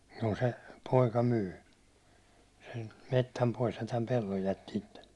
juu se poika myi sen metsän pois ja tämän pellon jätti itselle